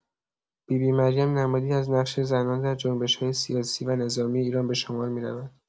بی‌بی مریم نمادی از نقش زنان در جنبش‌های سیاسی و نظامی ایران به‌شمار می‌رود.